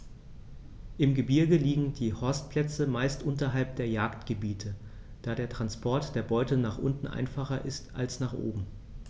Im Gebirge liegen die Horstplätze meist unterhalb der Jagdgebiete, da der Transport der Beute nach unten einfacher ist als nach oben.